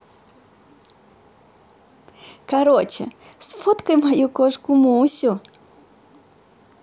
короче сфоткай мою кошку мусю